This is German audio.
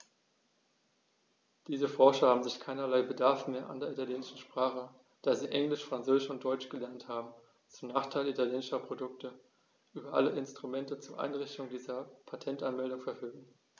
Diese Forscher haben sicher keinerlei Bedarf mehr an der italienischen Sprache, da sie Englisch, Französisch und Deutsch gelernt haben und, zum Nachteil italienischer Produkte, über alle Instrumente zur Einreichung dieser Patentanmeldungen verfügen.